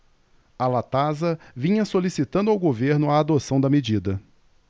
a latasa vinha solicitando ao governo a adoção da medida